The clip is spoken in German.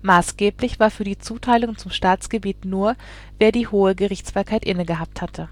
massgeblich war für die Zuteilung zum Staatsgebiet nur, wer die hohe Gerichtsbarkeit innegehabt hatte